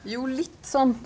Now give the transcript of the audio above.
jo litt sånn.